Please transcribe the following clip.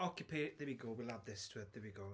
Occupa- There we go, we'll add this to it there we go.